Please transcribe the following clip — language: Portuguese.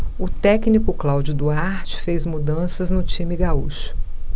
o técnico cláudio duarte fez mudanças no time gaúcho